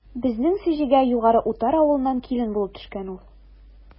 Безнең Сеҗегә Югары Утар авылыннан килен булып төшкән ул.